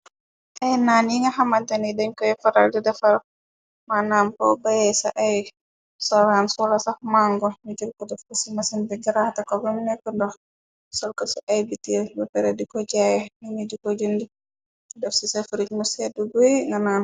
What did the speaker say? Ay naan yi nga xamandtani dañ koy faral di defar manam bo baye ca ay soraan sulo sax màngo nijër ku def ko simasen bi garaate ko banekku ndox solka su ay bitr ba pere di ko jaaye nini ju ko jënd ku def ci say faruj mu seddu guy nga nan.